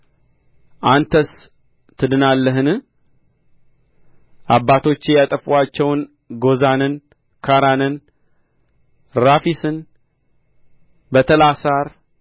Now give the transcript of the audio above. አንተስ ትድናለህን አባቶቼ ያጠፉአቸውን ጎዛንን ካራንን ራፊስን በተላሳር